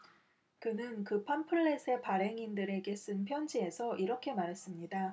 그는 그 팜플렛의 발행인들에게 쓴 편지에서 이렇게 말했습니다